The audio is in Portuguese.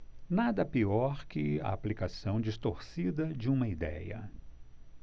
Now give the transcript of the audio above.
nada pior que a aplicação distorcida de uma idéia